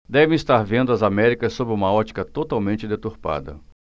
devem estar vendo as américas sob uma ótica totalmente deturpada